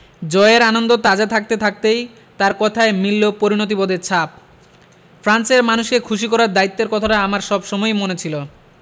জয়ের আনন্দ তাজা থাকতে থাকতেই তাঁর কথায়ও মিলল পরিণতিবোধের ছাপ ফ্রান্সের মানুষকে খুশি করার দায়িত্বের কথাটা আমাদের সব সময়ই মনে ছিল